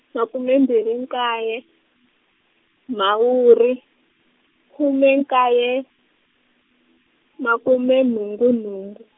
makume mbirhi nkaye, Mhawuri, khume nkaye, makume nhungu nhungu.